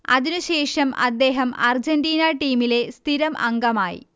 അതിനുശേഷം അദ്ദേഹം അർജന്റീന ടീമിലെ സ്ഥിരം അംഗമായി